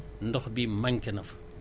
ndox bi manqué fa